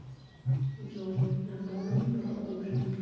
джой напомни про ужин